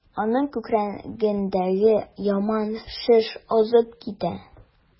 Аның күкрәгендәге яман шеш азып китә.